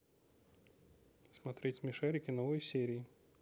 смотреть смешарики новые серии